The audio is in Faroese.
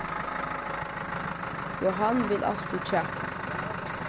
johan vil altíð kjakast